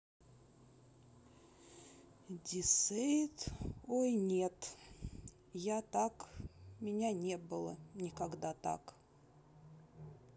deceit ой нет я так меня не было никогда так